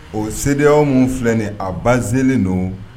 O ye C E D E A- O minnu filɛ nin ye, a basé le don